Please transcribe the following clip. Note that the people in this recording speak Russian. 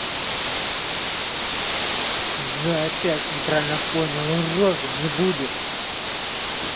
джой опять неправильно понял розы не будет